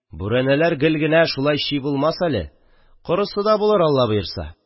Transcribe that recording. Бүрәнәләр гел генә шулай чи булмас әле, корысы да булыр, алла боерса